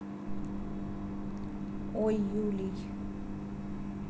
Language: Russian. ой юлий